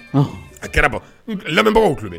Ɔnhɔn, a kɛra lamɛnbagaw tulo bɛ